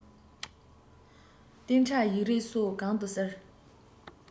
གཏན ཁྲ ཡིག རིགས སོགས གང དུ གསལ